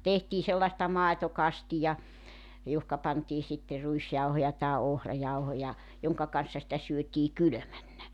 tehtiin sellaista maitokastia johonka pantiin sitten ruisjauhoja tai ohrajauhoja jonka kanssa sitä syötiin kylmänä